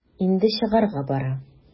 Инде чыгарга бара.